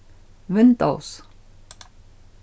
windows